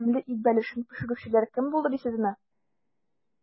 Тәмле ит бәлешен пешерүчеләр кем булды дисезме?